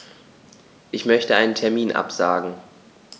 Ich möchte einen Termin absagen.